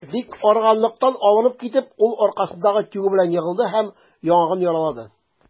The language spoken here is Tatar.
Бик арыганлыктан абынып китеп, ул аркасындагы тюгы белән егылды һәм яңагын яралады.